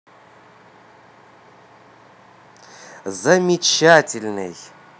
замечательный